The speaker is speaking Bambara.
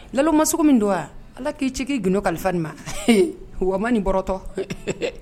Dalo maso min don wa ala k'i ce k'i g kalifa nin ma wa bɔratɔ